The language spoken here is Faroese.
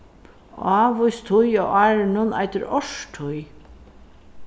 ávís tíð á árinum eitur árstíð